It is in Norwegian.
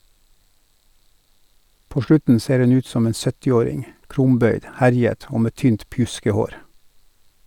På slutten ser hun ut som en 70-åring , krumbøyd, herjet og med tynt pjuskehår.